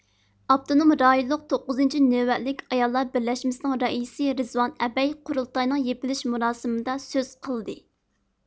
ئاپتونوم رايونلۇق توققۇزىنچى نۆۋەتلىك ئاياللار بىرلەشمىسىنىڭ رەئىسى رىزۋان ئەبەي قۇرۇلتاينىڭ يېپىلىش مۇراسىمىدا سۆز قىلدى